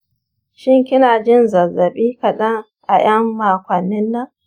shin kinajin zazzabi kadan a yan makonnin nan?